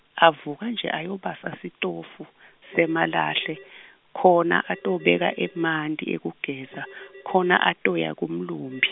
Avuka nje uyobasa sitofu, semalahle, khona atobeka emanti ekugeza, khona atoya kamlumbi.